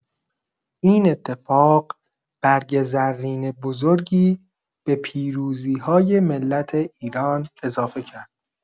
این اتفاق، برگ زرین بزرگی به پیروزی‌های ملت ایران اضافه کرد.